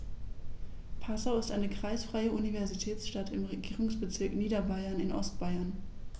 Passau ist eine kreisfreie Universitätsstadt im Regierungsbezirk Niederbayern in Ostbayern.